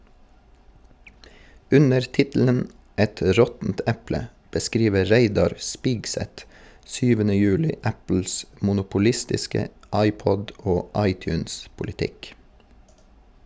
Under tittelen "Et råttent eple" beskriver Reidar Spigseth 7. juli Apples monopolistiske iPod- og iTunes-politikk.